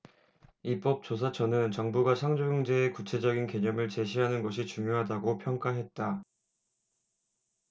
입법조사처는 정부가 창조경제의 구체적인 개념을 제시하는 것이 중요하다고 평가했다